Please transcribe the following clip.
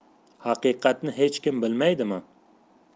haqiqatni hech kim bilmaydimi